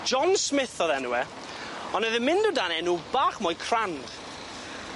John Smith o'dd enw e on' o'dd e'n mynd o dan enw bach mwy crand.